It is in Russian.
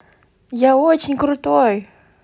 я очень крутой